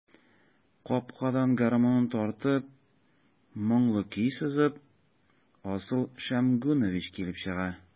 Капкадан, гармунын тартып, моңлы көй сызып, Асыл Шәмгунович килеп чыга.